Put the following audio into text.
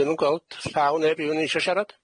Dwi'm yn gweld llaw neb i fyny isio siarad.